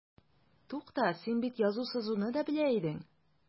Тукта, син бит язу-сызуны да белә идең.